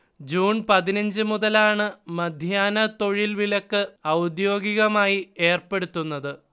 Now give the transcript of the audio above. June പതിനഞ്ച് മുതലാണ് മധ്യാഹ്ന തൊഴിൽ വിലക്ക് ഔദ്യോഗികമായി ഏർപ്പെടുത്തുന്നത്